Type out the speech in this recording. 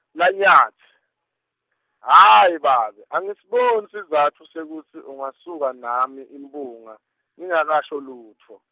LaNyatsi, hhayi babe, angisiboni sizatfu sekutsi ungasuka nami imphunga, ngingakasho lutfo.